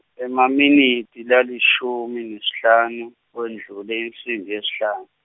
Emaminitsi lalishumi nesihlanu kwendlule insimbi yesihlanu.